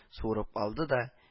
Суырып алды да